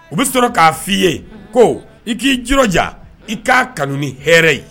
U bɛ sɔrɔ k'a f fɔ ii ye ko i k'i jirija i k'a kanu ni hɛrɛ ye